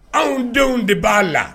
Anw denw de b'a la